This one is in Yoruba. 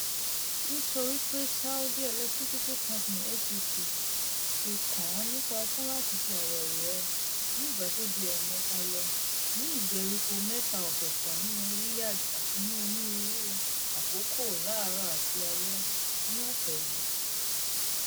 Nítorí pé Saudi Electricity Company (SEC) ti kàn-án nípá fun láti ṣe àyèwò ẹ̀ ní ìgbà tó ju ẹẹ̀mẹta lọ, ní ìgbèríko mẹ́ta ọ̀tọọ̀tọ̀ nínú Riyadh àti ní onírúurú àkókò láàárọ̀ àti alẹ́ ní ọ̀sẹ̀ yìí.